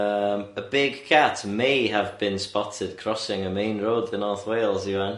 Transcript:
Yym a big cat may have been spotted crossing a main road in North Wales even.